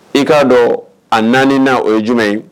I k'a dɔn a naani n na o ye jumɛn ye